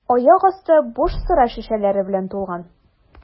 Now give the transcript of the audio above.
Аяк асты буш сыра шешәләре белән тулган.